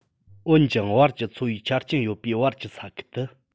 འོན ཀྱང བར གྱི འཚོ བའི ཆ རྐྱེན ཡོད པའི བར གྱི ས ཁུལ དུ